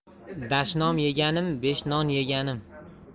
dashnom yeganim besh non yeganim